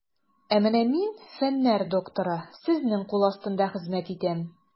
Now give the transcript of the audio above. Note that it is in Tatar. Ә менә мин, фәннәр докторы, сезнең кул астында хезмәт итәм.